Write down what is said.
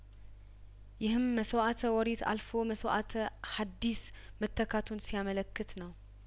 ይህም መስዋእተ ኦሪት አልፎ መስዋእተ ሀዲስ መተካቱን ሲያመለክት ነው